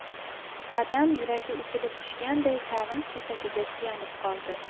muqaddam yuragi uzilib tushganday tag'in kesakiga suyanib qoldi